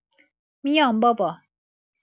میام بابا.